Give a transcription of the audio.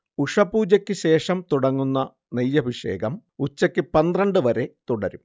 ഉഷഃപൂജക്കുശേഷം തുടങ്ങുന്ന നെയ്യഭിഷേകം ഉച്ചക്ക് പന്ത്രണ്ടു വരെ തുടരും